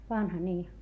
vanha niin